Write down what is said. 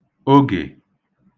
ogè